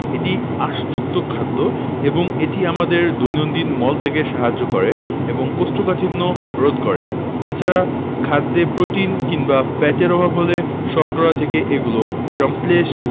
এটি আঁশযুক্ত খাদ্য এবং এটি আমাদের দৈনন্দিন মল ত্যাগে সাহায্য করে এবং কোষ্ঠকাঠিন্য রোধ করে এছাড়া খাদ্যে প্রোটিন কিংবা ফ্যাটের অভাব হলে শর্করা থেকে এগুলো সংশ্লেষ